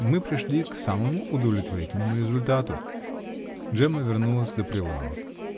мы пришли к самому удовлетворительному результату. Джемма вернулась за прилавок.